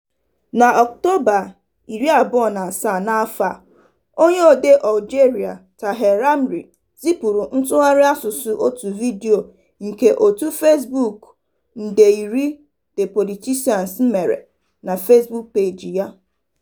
Na Ọktoba 27 n'afọ a, onye odee Algeria Tahar Lamri [en] zipụrụ ntụgharị asụsụ otu vidiyo [ar] nke òtù Facebook 10 Millions de Politiciens [ar, fr] mere na Facebook peeji ya.